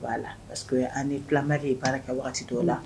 B la an ni bilama de baara kɛ waati dɔw la